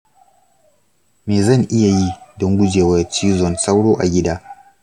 me zan iya yi don gujewa cizon sauro a gida?